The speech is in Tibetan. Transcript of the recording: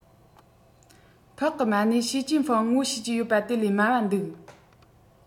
ཕག གི མ གནས ཞེ ཅིན ཧྥེང ངོ ཤེས ཀྱི ཡོད པ སྟེ ལས དམའ བ འདུག